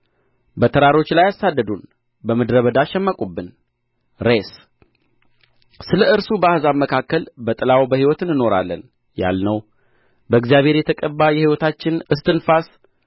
በተራሮች ላይ አሳደዱን በምድረ በዳ ሸመቁብን ሬስ ስለ እርሱ በአሕዛብ መካከል በጥላው በሕይወት እንኖራለን ያልነው በእግዚአብሔር የተቀባ የሕይወታችን እስትንፋስ